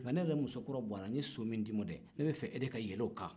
nka ne yɛrɛ musokura buwarɛ n ye so min d'i ma dɛ ne b'a fɛ e de ka yɛl'o kan